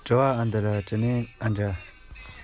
དལ བ དལ བུར འབྱིད བཞིན འདུག